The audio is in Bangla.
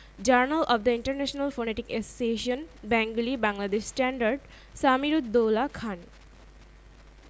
journal of the international phonetic association Bengali Bangladeshi standard Samir ud Daula Khan